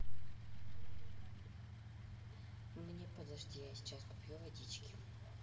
мне подожди я сейчас попью водички